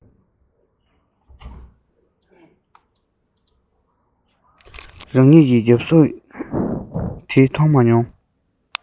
རང ཉིད ཀྱི རྒྱབ གཟུགས དེ མཐོང བྱུང